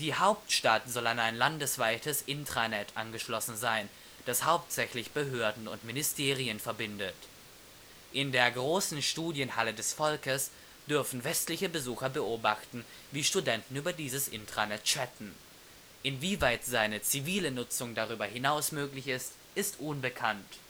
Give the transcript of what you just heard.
Hauptstadt soll an ein landesweites Intranet angeschlossen sein, das hauptsächlich Behörden und Ministerien verbindet. In der Großen Studienhalle des Volkes dürfen westliche Besucher beobachten, wie Studenten über dieses Intranet chatten. Inwieweit seine zivile Nutzung darüber hinaus möglich ist, ist unbekannt